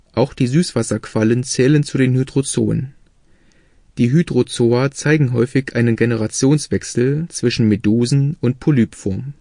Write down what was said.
Auch die Süßwasserquallen zählen zu den Hydrozoen. Die Hydrozoa zeigen häufig einen Generationswechsel zwischen Medusen - und Polypform